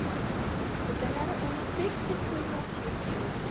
qudalari ulug'bek deb qo'ymoqchi ekanlar